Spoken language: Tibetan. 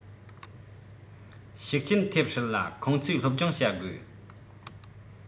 ཤུགས རྐྱེན ཐེབས སྲིད ལ ཁོང ཚོའི སློབ སྦྱོང བྱ དགོས